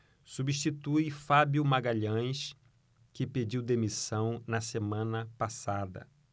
substitui fábio magalhães que pediu demissão na semana passada